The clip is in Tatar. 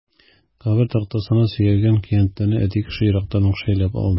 Кабер тактасына сөялгән көянтәне әти кеше ерактан ук шәйләп алды.